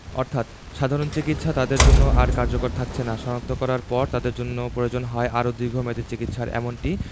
অর্থাৎ সাধারণ চিকিৎসা তাদের জন্য আর কার্যকর থাকছেনা শনাক্ত করার পর তাদের জন্য প্রয়োজন হয় আরও দীর্ঘমেয়াদি চিকিৎসার এমনটিই